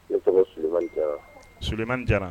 Sumaninin jara